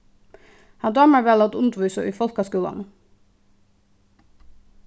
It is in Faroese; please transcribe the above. hann dámar væl at undirvísa í fólkaskúlanum